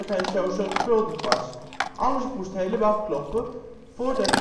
zo zorgvuldig was. Alles moest helemaal kloppen, voordat